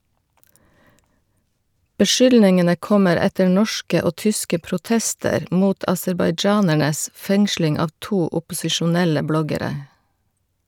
Beskyldningene kommer etter norske og tyske protester mot aserbajdsjanernes fengsling av to opposisjonelle bloggere.